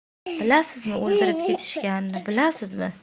bilasizmi o'ldirib ketishganini bilasizmi